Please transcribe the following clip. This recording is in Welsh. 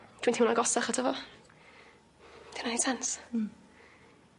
Dwi'n teimlo agosach ato fo. 'Di wnna neud sense? Hmm.